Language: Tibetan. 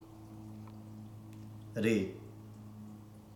རེད